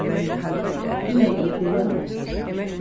kunoyar skúli